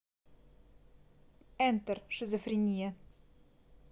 enter шизофрения